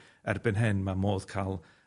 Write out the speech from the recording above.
erbyn hyn ma' modd ca'l